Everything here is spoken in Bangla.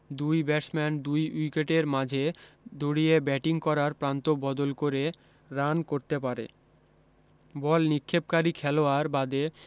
দুই ব্যাটসম্যান দুই উইকেটের মাঝে দুড়িয়ে ব্যাটিং করার প্রান্ত বদল করে রান করতে পারে বল নিক্ষেপকারী খেলোয়াড় বাদে